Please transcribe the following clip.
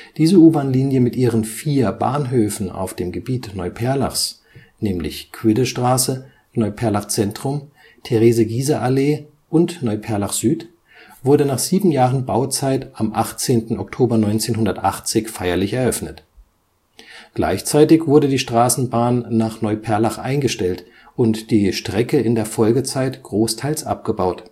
Diese U-Bahn-Linie mit ihren vier Bahnhöfen auf dem Gebiet Neuperlachs (Quiddestraße, Neuperlach Zentrum, Therese-Giehse-Allee und Neuperlach Süd) wurde nach sieben Jahren Bauzeit am 18. Oktober 1980 feierlich eröffnet. Gleichzeitig wurde die Straßenbahn nach Neuperlach eingestellt und die Strecke in der Folgezeit großteils abgebaut